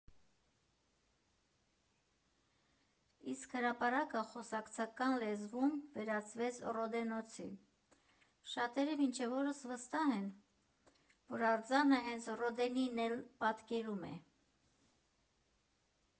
Իսկ հրապարակը խոսակցական լեզվում վերածվեց «Ռոդեննոցի» (շատերը մինչ օրս վստահ են, որ արձանը հենց Ռոդենին էլ պատկերում է)։